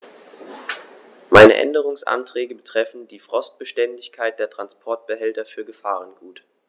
Meine Änderungsanträge betreffen die Frostbeständigkeit der Transportbehälter für Gefahrgut.